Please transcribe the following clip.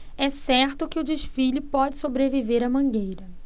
é certo que o desfile pode sobreviver à mangueira